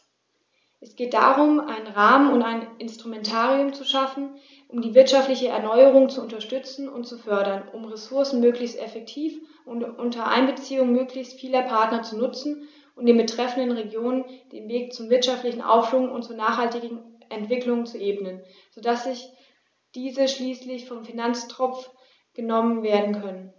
Es geht darum, einen Rahmen und ein Instrumentarium zu schaffen, um die wirtschaftliche Erneuerung zu unterstützen und zu fördern, um die Ressourcen möglichst effektiv und unter Einbeziehung möglichst vieler Partner zu nutzen und den betreffenden Regionen den Weg zum wirtschaftlichen Aufschwung und zur nachhaltigen Entwicklung zu ebnen, so dass diese schließlich vom Finanztropf genommen werden können.